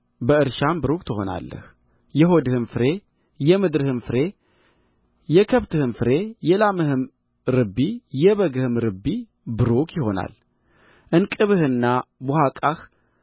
በእርሻም ቡሩክ ትሆናለህ የሆድህ ፍሬ የምድርህም ፍሬ የከብትህም ፍሬ የላምህም ርቢ የበግህም ርቢ ቡሩክ ይሆናል እንቅብህና ቡሃቃህ